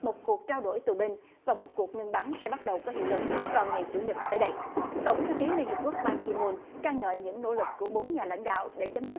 một cuộc trao đổi tù binh vào một cuộc ngưng bắn sẽ bắt đầu có hiệu lực vào ngày chủ nhật tới đây tổng thư ký liên hiệp quốc ban ki mun ca ngợi những nỗ lực của bốn nhà lãnh đạo để chấm dứt